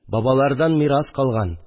Бабалардан мирас калган